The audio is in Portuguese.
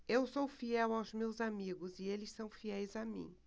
eu sou fiel aos meus amigos e eles são fiéis a mim